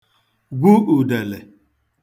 gwu ùdèlè